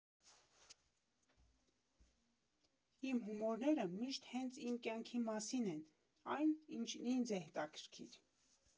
Իմ հումորները միշտ հենց իմ կյանքի մասին են, այն, ինչն ինձ է հետաքրքիր։